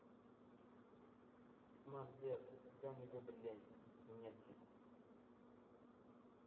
smart death дани де блядь смерти